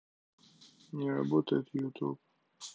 не работает youtube